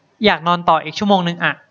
อยากนอนต่ออีกชั่วโมงนึงอะ